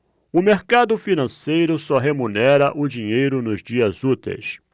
o mercado financeiro só remunera o dinheiro nos dias úteis